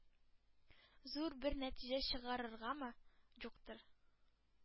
Зур бер нәтиҗә чыгарыргамы? юктыр.